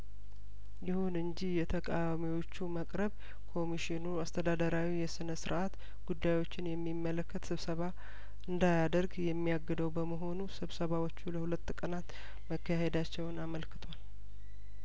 ይሁን እንጂ የተቃዋሚዎቹ መቅረብ ኮሚሽኑ አስተዳደራዊ የስነ ስርአት ጉዳዮችን የሚመለከት ስብሰባ እንዳ ያደርግ የሚያግደው በመሆኑ ስብሰባዎቹ ለሁለት ቀናት መካሄዳቸውን አመልክቷል